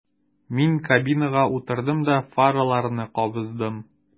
Мин кабинага утырдым да фараларны кабыздым.